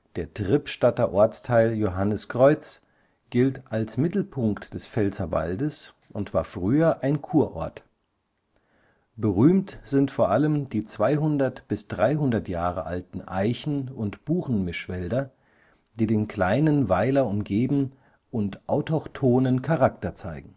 Der Trippstadter Ortsteil Johanniskreuz gilt als Mittelpunkt des Pfälzerwaldes und war früher ein Kurort. Berühmt sind vor allem die 200 – 300 Jahre alten Eichen - und Buchenmischwälder, die den kleinen Weiler umgeben und autochthonen Charakter zeigen